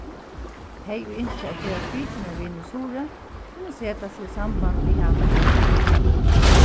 tey ið ynskja at gerast vitjanarvinir í suðuroy kunnu seta seg í samband við hana